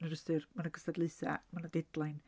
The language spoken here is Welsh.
Yn yr ystyr ma' 'na gystadlaethau, ma' 'na deadline.